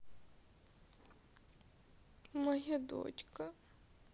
моя дочка